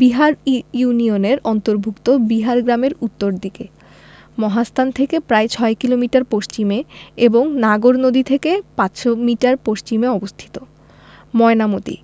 বিহার ইউনিয়নের অন্তর্ভুক্ত বিহার গ্রামের উত্তর দিকে মহাস্থান থেকে প্রায় ৬ কিলোমিটার পশ্চিমে এবং নাগর নদী থেকে ৫০০ মিটার পশ্চিমে অবস্থিত ময়নামতি